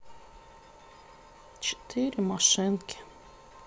четыре машинки